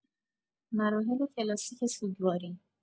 مراحل کلاسیک سوگواری